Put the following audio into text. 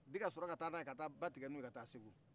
ni ka sɔrɔ ka taa n'a ye ka taa ba tigɛ n'u ye ka taa segu